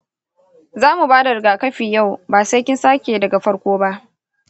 za mu bada rigakafi yau, basai kin sake daga farko ba.